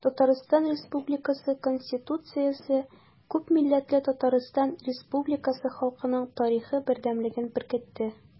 Татарстан Республикасы Конституциясе күпмилләтле Татарстан Республикасы халкының тарихы бердәмлеген беркетте.